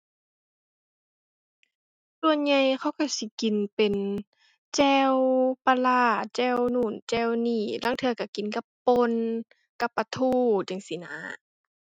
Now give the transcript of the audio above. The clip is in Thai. ส่วนใหญ่เขาก็สิกินเป็นแจ่วปลาร้า แจ่วโน่นแจ่วนี่ ลางเทื่อก็กินกับป่น กับปลาทูจั่งซี้นะ